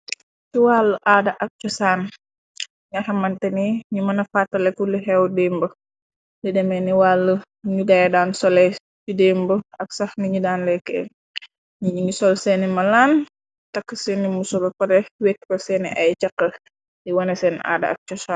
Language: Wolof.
Ci wàll aada ak cosaan , ngaxamante ni ñu mëna fattalekuli xew dimba, di deme ni wàll nu gaaye daan sole ci dimb ak sax niñi daan lekkeel, ñiñ ngi sol seeni malaan takk seeni mu sobe pare wekkka seeni ay cakal di wone seen aada ak cosan.